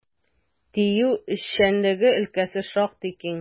ТИҮ эшчәнлеге өлкәсе шактый киң.